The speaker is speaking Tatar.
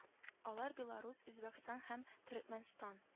Алар беларус үзбәкстан һәм төрекмәнстан